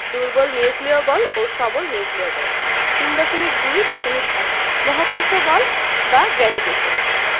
দুর্বল নিউক্লিয় বল ও সবল নিউক্লিয় বল 3.2.1 মহাকর্ষ বল বা গ্রেভিটেশন